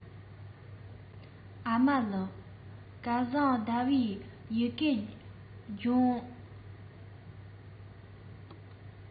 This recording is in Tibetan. ཨ མ ལགས སྐལ བཟང ཟླ བའི ཡི གེ འབྱོར བྱུང ངམ